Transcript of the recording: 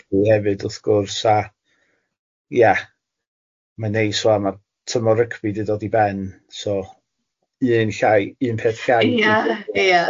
Rygbi hefyd wrth gwrs a ia mae'n neis ŵan ma'r tymor rygbi di dod i ben so, un llai un peth llai... Ia ia.